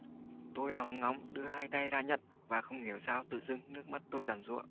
tôi lóng ngóng đưa hai tay ra nhận và không hiểu sao tự dưng nước mắt tôi giàn giụa